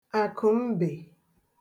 àkụ̀mbè